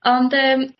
Ond yym